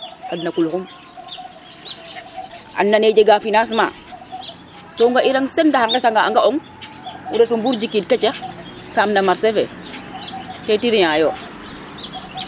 ad na quluxum a nane jega financemnt to nga i rang sen range a ŋesa nga a nga ong o reto Mbour jikik ketax saam na marcher te triands yo